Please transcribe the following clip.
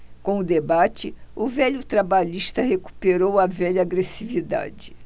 com o debate o velho trabalhista recuperou a velha agressividade